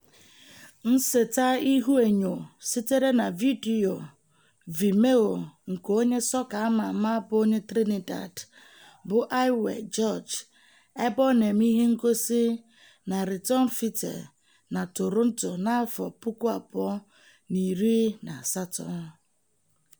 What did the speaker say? Nseta ihuenyo sitere na vidiyo Vimeo nke onye sọka a ma ama bụ onye Trinidad bụ Iwer George ebe ọ na-eme ihe ngosi na Return Fête na Toronto na 2018.